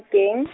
-fikeng.